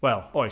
Wel, oes.